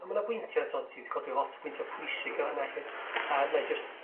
On' ma' 'na bwyntia' t'mod ti 'di codi lot o bwyntia' pwysig yn fan 'na 'lly a na'i jyst